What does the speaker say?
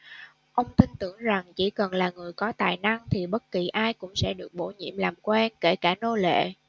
ông tin tưởng rằng chỉ cần là người có tài năng thì bất kỳ ai cũng sẽ được bổ nhiệm làm quan kể cả nô lệ